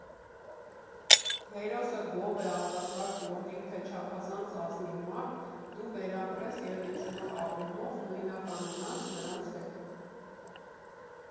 Հերոսը գող է, ավազակ, պոռնիկ թե չափազանց ազնիվ մարդ, դու վերապրես և ինչ֊որ առումով նույնականանաս նրանց հետ։